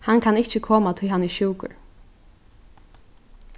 hann kann ikki koma tí hann er sjúkur